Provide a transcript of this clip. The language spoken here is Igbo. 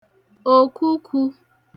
òkukū